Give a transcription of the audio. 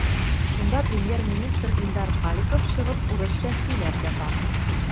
Шунда премьер-министр Илдар Халиков чыгып урысча сөйләп ята.